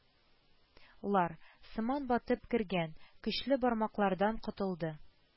Лар сыман батып кергән көчле бармаклардан котылды